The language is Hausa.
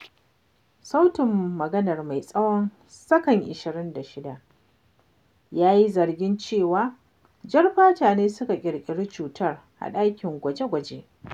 Sautin maganar mai tsawon sakan 26 ya yi zargin cewa, jar fata ne suka ƙirƙiri cutar a ɗakin gwaje-gwaje.